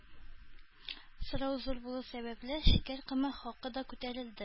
Сорау зур булу сәбәпле, шикәр комы хакы да күтәрелде